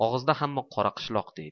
og'izda hamma qoraqishloq deydi